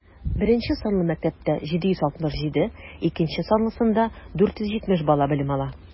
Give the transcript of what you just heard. Беренче санлы мәктәптә - 767, икенче санлысында 470 бала белем ала.